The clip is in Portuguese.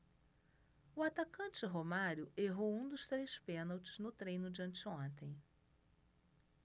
o atacante romário errou um dos três pênaltis no treino de anteontem